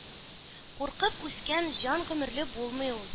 Куркып үскән җан гомерле булмый ул...